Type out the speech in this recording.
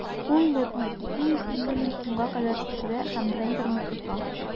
Ул лотны 250 мең сумга кадәр төшерә һәм тендерны ота.